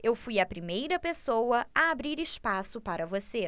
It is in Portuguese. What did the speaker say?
eu fui a primeira pessoa a abrir espaço para você